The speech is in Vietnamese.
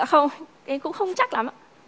dạ không em cũng không chắc lắm